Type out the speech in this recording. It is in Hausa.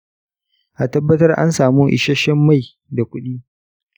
a tabbatar an tanadi isasshen mai da kuɗi.